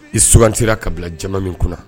I sugantila kabila jama min kunna